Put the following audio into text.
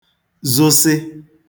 zụsị